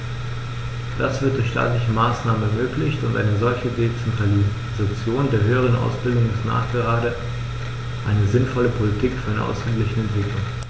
Das wird durch staatliche Maßnahmen ermöglicht, und eine solche Dezentralisation der höheren Ausbildung ist nachgerade eine sinnvolle Politik für eine ausgeglichene Entwicklung.